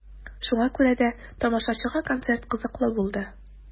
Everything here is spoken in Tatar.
Шуңа күрә дә тамашачыга концерт кызыклы булды.